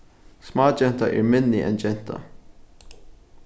smágenta er minni enn genta